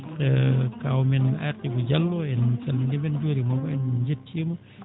kawu men Atibou Diallo en calminii mo en njuuriima mo en njettii mo